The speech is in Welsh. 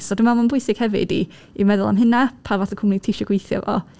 So dwi'n meddwl mae'n bwysig hefyd i i meddwl am hynna, pa fath o cwmni ti isio gweithio i fo?